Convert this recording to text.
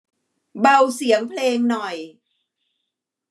เบาเสียงเพลงหน่อย